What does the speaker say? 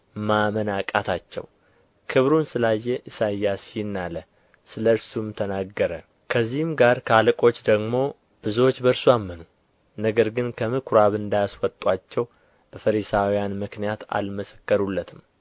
ማመን አቃታቸው ክብሩን ስለ አየ ኢሳይያስ ይህን አለ ስለ እርሱም ተናገረ ከዚህም ጋር ከአለቆች ደግሞ ብዙዎች በእርሱ አመኑ ነገር ግን ከምኵራብ እንዳያስወጡአቸው በፈሪሳውያን ምክንያት አልመሰከሩለትም